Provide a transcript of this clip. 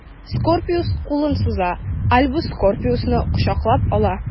Скорпиус кулын суза, Альбус Скорпиусны кочаклап ала.